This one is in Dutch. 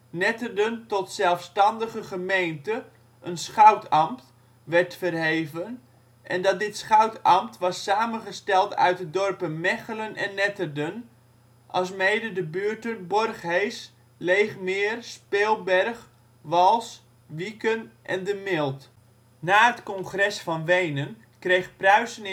Netterden tot zelfstandige gemeente (schoutambt) werd verheven en dat dit schoutambt was samengesteld uit de dorpen Megchelen en Netterden, alsmede de buurten Borghees, Leegmeer, Speelberg, Wals, Wieken en De Milt. Naar de Congres van Wenen kreeg Pruisen 1816